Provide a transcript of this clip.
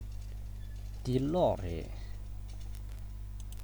འདི གློག རེད